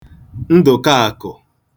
Ndụ̀kaàkụ̀